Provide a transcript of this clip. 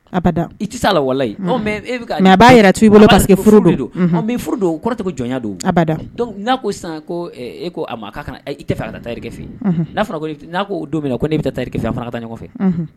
A bada i tɛ se a la, wala ye ɔɔɔ mais a b'a yɛrɛ to i bol parce que furu don, unhun, mais ni furu don o kɔrɔ tɛ a jira ko jɔnya don abada, donc n'a ko sisan ko e ko a ma i tɛ fɛ a ka taa tailleur kɛ fɛ yen, unhun, n'a ko don min na ko n'e bɛna taa Kita k'aw ka taa ɲɔgɔn fɛ!